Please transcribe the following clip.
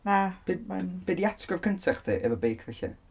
ma', ma'n yym... Be be 'di atgof cynta chdi efo beic felly?